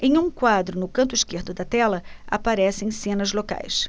em um quadro no canto esquerdo da tela aparecem cenas locais